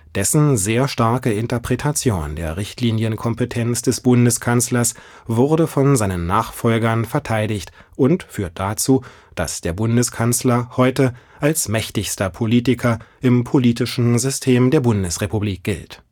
Dessen sehr starke Interpretation der Richtlinienkompetenz des Bundeskanzlers wurde von seinen Nachfolgern verteidigt und führt dazu, dass der Bundeskanzler heute als mächtigster Politiker im politischen System der Bundesrepublik gilt